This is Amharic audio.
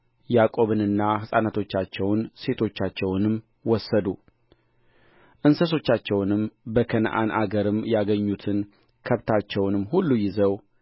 ዮሴፍም ወንድሞቹንና የአባቱን ቤተ ሰዎች እንዲህ አላቸው እኔ መጥቼ ለፈርዖን እንዲህ ብዬ እነግረዋለሁ በከነዓን ምድር